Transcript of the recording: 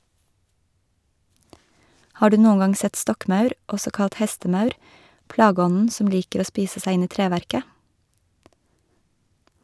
Har du noen gang sett stokkmaur, også kalt hestemaur, plageånden som liker å spise seg inn i treverket?